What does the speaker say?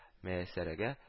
Мияссәрәгә